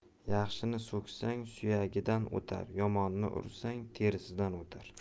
yaxshini so'ksang suyagidan o'tar yomonni ursang terisidan o'tar